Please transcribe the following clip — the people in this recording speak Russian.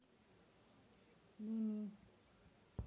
ми ми